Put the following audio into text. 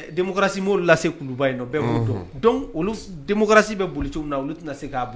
b'a tɛmosi laseba yemosi bɛ boli cogo min na tɛna se' bolo